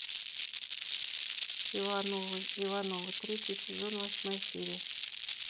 ивановы ивановы третий сезон восьмая серия